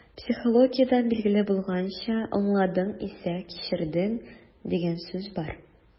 Психологиядән билгеле булганча, «аңладың исә - кичердең» дигән сүз бар.